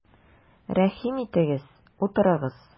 Рәхим итегез, утырыгыз!